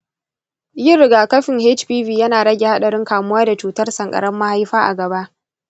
yin rigakafin hpv yana rage haɗarin kamuwa da cutar sankarar mahaifa a gaba.